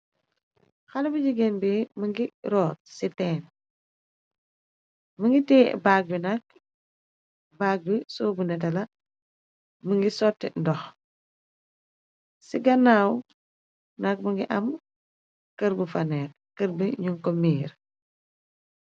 Xala bu jigéen bi, më ngi roat ci teen, mi ngi te bagg bu nak, baag bi sowbu neta la, mi ngi sotti ndox ci ganaaw nak mu ngi am kër bu faneek, kër be ñun ko miir.